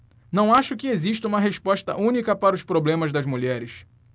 não acho que exista uma resposta única para os problemas das mulheres